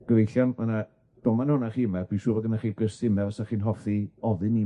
Gyfeillion ma' 'na doman oonoch chi yma, dwi siŵr bo' gynnoch chi gwestiyna' 'sach chi'n hoffi ofyn i...